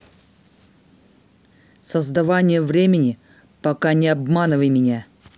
создавание времени пока не обманывай меня